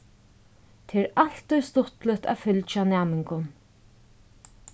tað er altíð stuttligt at fylgja næmingum